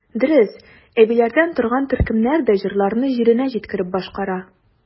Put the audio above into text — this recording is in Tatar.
Дөрес, әбиләрдән торган төркемнәр дә җырларны җиренә җиткереп башкара.